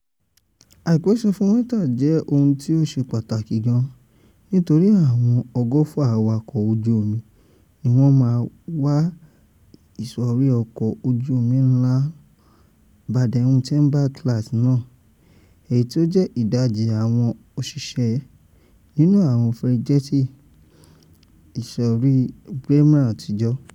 Àìpé sọ́fùtiwìà jẹ́ ohún tí ó ṣe pàtàkì gan nítorí awọn 120 awakọ̀ ojú omi ni wọ́n máa wa ìsọ̀rí ọkọ̀ ojú omi ńlá Baden-Wuerttemberg-class náà - èyí tí ó jẹ́ ìdájí àwọn òṣìṣẹ́ nínú àwọn fírígéètì ìsọ̀rí Bremen àtijọ́.